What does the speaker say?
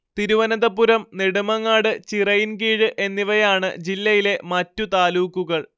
തിരുവനന്തപുരം നെടുമങ്ങാട് ചിറയൻകീഴ് എന്നിവയാണ് ജില്ലയിലെ മറ്റു താലൂക്കുകൾ